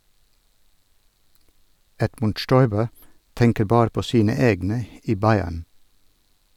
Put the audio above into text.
Edmund Stoiber tenker bare på sine egne i Bayern.